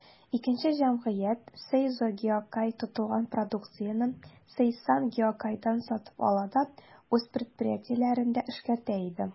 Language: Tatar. Икенче җәмгыять, «Сейзо Гиокай», тотылган продукцияне «Сейсан Гиокайдан» сатып ала да үз предприятиеләрендә эшкәртә иде.